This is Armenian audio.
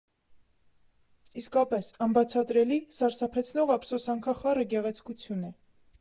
Իսկապես, անբացատրելի, սարսափեցնող ափսոսանքախառը գեղեցկություն է։